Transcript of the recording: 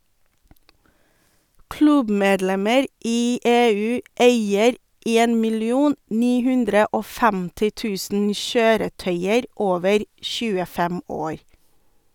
Klubbmedlemmer i EU eier 1 950 000 kjøretøyer over 25 år.